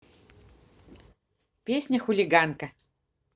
песня хулиганка